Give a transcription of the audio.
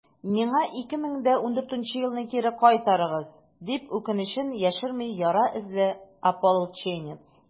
«миңа 2014 елымны кире кайтарыгыз!» - дип, үкенечен яшерми яра эзле ополченец.